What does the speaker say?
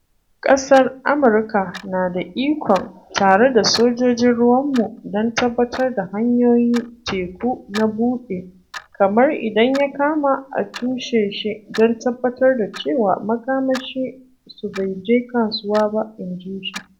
"Ƙasar Amurka na da ikon, tare da sojin ruwanmu, don tabbatar da hanyoyi teku na buɗe, kuma, idan ya kama, a tushe shi, don tabbatar da cewa makamashi su bai je kasuwa ba," in ji shi.